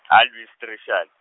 a Louis Trichardt.